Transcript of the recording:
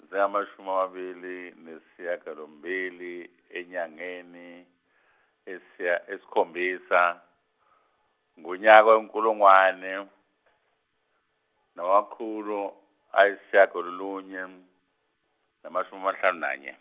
zingamashumi amabili nesishagalombili enyangeni, esiy- esikhombisa, ngonyaka wenkulungwane, namakhulu ayisishagalolunye, namashumi amahlanu nanye.